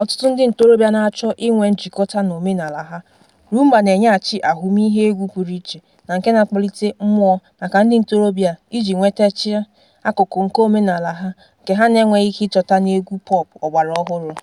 Dịka ọtụtụ ndị ntorobịa na-achọ inwe njikọta n'omenala ha, Rhumba na-enyeghachi ahụmihe egwu pụrụ iche na nke na-akpalite mmụọ maka ndị ntorobịa a iji nwetaghachi akụkụ nke omenala ha nke ha na-enweghị ike ịchọta n'egwu pọp ọgbaraọhụrụ.